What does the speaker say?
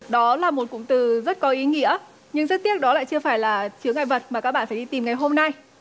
đó là một cụm từ rất có ý nghĩa nhưng rất tiếc đó lại chưa phải là chướng ngại vật mà các bạn phải đi tìm ngày hôm nay